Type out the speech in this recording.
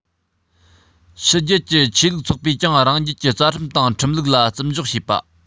ཕྱི རྒྱལ གྱི ཆོས ལུགས ཚོགས པས ཀྱང རང རྒྱལ གྱི རྩ ཁྲིམས དང ཁྲིམས ལུགས ལ བརྩི འཇོག དང